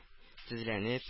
Тезләнеп